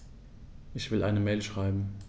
Ich will eine Mail schreiben.